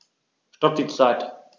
Stopp die Zeit